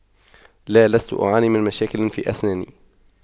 لا لست أعاني من مشاكل في أسناني